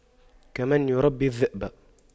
كمن يربي الذئب